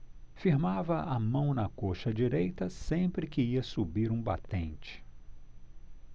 firmava a mão na coxa direita sempre que ia subir um batente